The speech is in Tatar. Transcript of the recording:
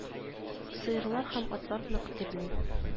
Сыерлар һәм атлар нык тирли